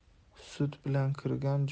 sut bilan kirgan